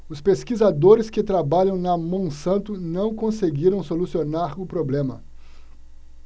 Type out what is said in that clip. os pesquisadores que trabalham na monsanto não conseguiram solucionar o problema